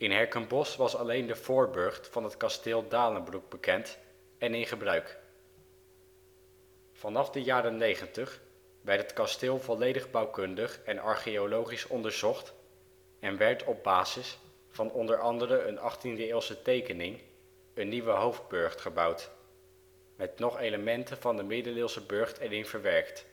Herkenbosch was alleen de voorburcht van het Kasteel Daelenbroeck bekend en in gebruik. Vanaf de jaren negentig werd het kasteel volledig bouwkundig en archeologisch onderzocht en werd op basis van o.a. een 18e eeuwse tekening een nieuwe hoofdburcht gebouwd, met nog elementen van de middeleeuwse burcht erin verwerkt